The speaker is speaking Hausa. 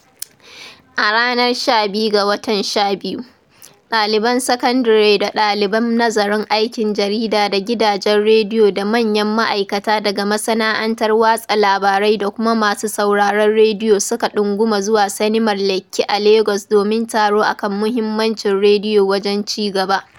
A ranar 12 ga watan 12, ɗaliban sakandire da ɗaliban nazarin aikin jarida da gidajen rediyo da manyan ma'aikata daga masana’antar watsa labarai da kuma masu sauraron rediyo suka ɗunguma zuwa sinimar Lekki a Lagos domin taro a kan muhimmancin rediyo wajen ci-gaba.